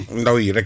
ndaw yi rek